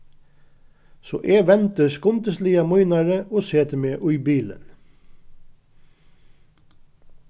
so eg vendi skundisliga mínari og seti meg í bilin